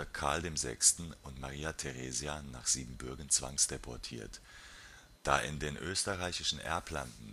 VI. und Maria Theresia nach Siebenbürgen zwangsdeportiert. Da in den österreichischen Erblanden